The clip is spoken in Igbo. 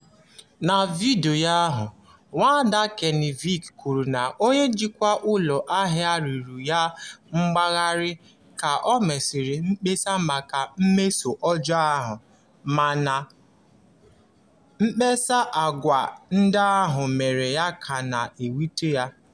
Na vidiyo ahụ, Nwaada Knežević kwuru na onye njikwa ụlọ ahịa rịọrọ ya mgbaghara ka o mesịrị mkpesa maka mmeso ọjọọ ahụ, mana mkpasa àgwà ndị ahụ mere ya ka na-ewute ya.